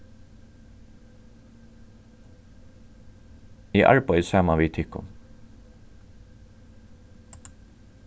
eg arbeiði saman við tykkum